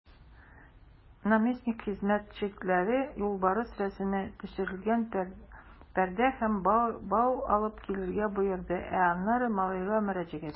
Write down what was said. Наместник хезмәтчеләргә юлбарыс рәсеме төшерелгән пәрдә һәм бау алып килергә боерды, ә аннары малайга мөрәҗәгать итте.